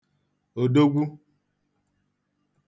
òdogwu